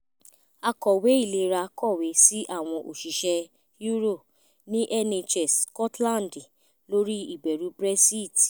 Àkọ̀wé Ìlera kọ̀wé sí àwọn òṣìṣẹ́ EU ní NHS Scotland lórí ìbẹ́rù Brexit